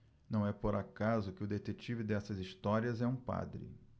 não é por acaso que o detetive dessas histórias é um padre